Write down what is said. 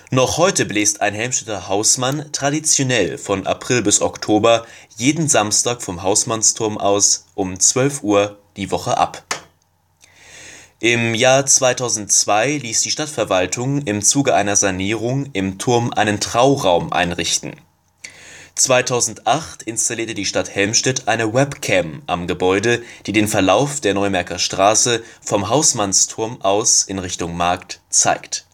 Noch heute bläst ein Helmstedter Hausmann traditionell von April bis Oktober jeden Samstag vom Hausmannsturm aus um 12:00 Uhr die Woche ab. Im Jahr 2002 ließ die Stadtverwaltung im Zuge einer Sanierung im Turm einen Trauraum einrichten. 2008 installierte die Stadt Helmstedt eine Webcam am Gebäude, die den Verlauf der Neumärker Straße vom Hausmannsturm aus in Richtung Markt zeigt